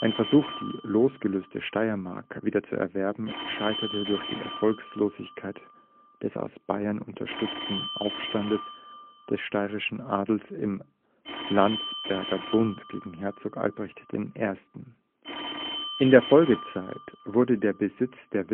Versuch, die losgelöste Steiermark wieder zu erwerben, scheiterte durch die Erfolglosigkeit des aus Bayern unterstützten Aufstandes des steirischen Adels im Landsberger Bund gegen Herzog Albrecht I. In der Folgezeit wurde der Besitz der